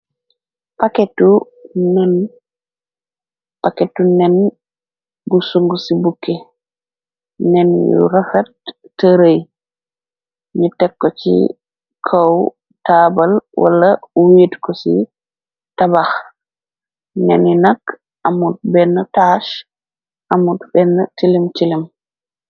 paketu nen gu sung ci bukke nen yu rafat tërëy ñi tekko ci kaw taabal wala wiit ko ci tabax neni nakk amud benn taash amud benn tilim cilim